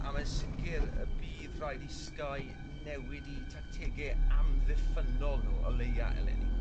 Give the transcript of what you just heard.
A mae'n sicir y bydd rhaid i Sky newid 'u tactege amddiffynnol n'w o leia eleni.